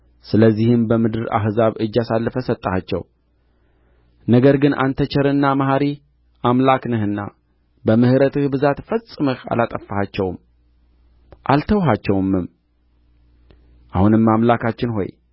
ስለዚህም በምድር አሕዛብ እጅ አሳልፈህ ሰጠሃቸው ነገር ግን አንተ ቸርና መሐሪ አምላክ ነህና በምሕረትህ ብዛት ፈጽመህ አላጠፋሃቸውም አልተውሃቸውምም ሁንም አምላካችን ሆይ ቃል